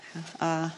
A...